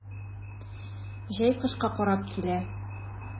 Җәй кышка карап килә.